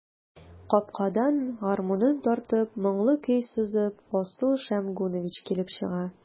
Капкадан, гармунын тартып, моңлы көй сызып, Асыл Шәмгунович килеп чыга.